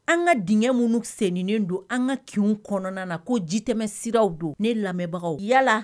An ka d minnu senennen don an ka ki kɔnɔna na ko ji tɛmɛnmɛ siraw don ni lamɛnbagaw yalala